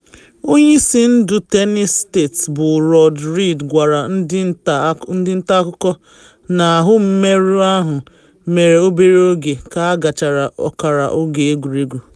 Onye isi ndu Tennessee State bụ Rod Reed gwara ndị nta akụkọ na ahụ mmerụ ahụ mere obere oge ka agachara ọkara oge egwuregwu.